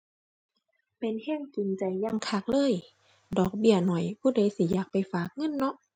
เป็นแรงจูงใจอย่างคักเลย ดอกเบี้ยน้อยผู้ใดสิอยากไปฝากเงินเนาะ